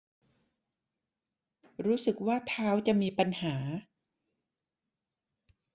รู้สึกว่าเท้าจะมีปัญหา